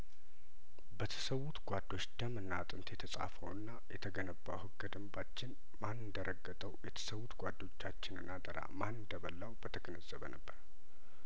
በተሰውት ጓዶች ደምና አጥንት የተጻፈውና የተገነባው ህገ ደንባችን ማን እንደረገጠው የተሰውት ጓዶቻችንን አደራ ማን እንደበላው በተገነዘበነበር